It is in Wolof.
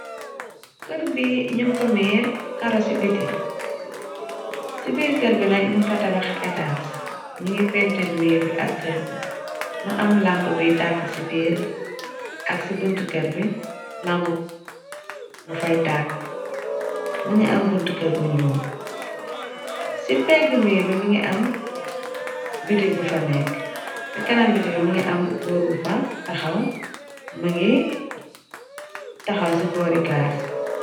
Kerr bi ñun ko miir karo ci biti ci biir kër bi nak ñum fa tabax etaas ñi ngi pentir miir bi ak kër bi më am lamp bi tàkk ci biir ak ci bunt kër bi lamp bu fay tàkk më ngi am bunt kër bu ñyuul ci pegg miir bi mëngi am bitig bu fa nekk ci kanam bitig bi mëngi am góor bu fa taxaw më ngi taxaw ci boori gaas.